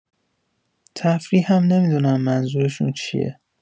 تفریحم نمی‌دونم منظورشون چیه.